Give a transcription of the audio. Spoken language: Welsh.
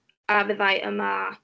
A fydda i yma.